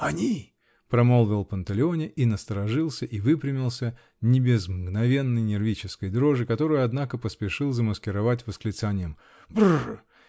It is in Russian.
"Они!" -- промолвил Панталеоне и насторожился и выпрямился, не без мгновенной нервической дрожи, которую, однако, поспешил замаскировать восклицанием: брррр!